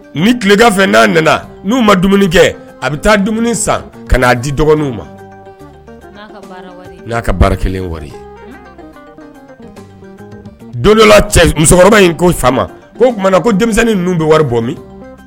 Ni tilegan fɛ n'a nana n'u ma dumuni kɛ a bɛ taa dumuni san ka'a di dɔgɔninw ma na ka kelen donla musokɔrɔba in ko o tumaumana na ko denmisɛnninnin ninnu bɛ wari bɔ min